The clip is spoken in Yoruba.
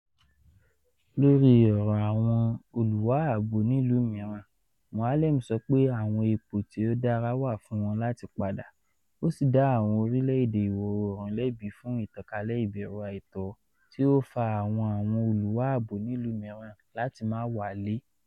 Lori ọrọ awọn oluwa abo nilu miiran, Moualem sọ pe awọn ipo ti o dara wa fun wọn lati pada, o si da "awọn orílẹ̀-èdè iwọ oorun" lẹbi fun "itankale ibẹru aitọ" ti o fa awọn awọn oluwa abo nilu miiran lati ma wale.